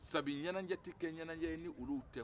sabu ɲɛnɛjɛ tɛ kɛ ɲɛnɛjɛ n'olu tɛ